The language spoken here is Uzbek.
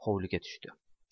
hovliga tushdi